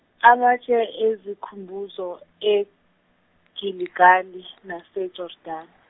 amatshe ezikhumbuzo eGiligali naseJordani?